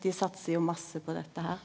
dei satsar jo masse på dette her.